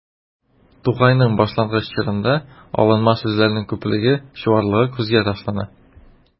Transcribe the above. Тукайның башлангыч чорында алынма сүзләрнең күплеге, чуарлыгы күзгә ташлана.